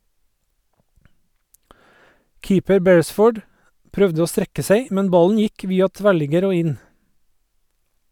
Keeper Beresford prøvde å strekke seg, men ballen gikk via tverrligger og inn.